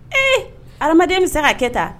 Ee ha adamadamaden bɛ se ka kɛ taa